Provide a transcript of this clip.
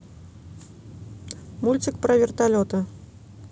мультик про вертолеты